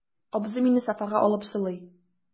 Абзый мине софага алып сылый.